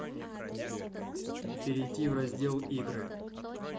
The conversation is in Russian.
перейти в раздел игры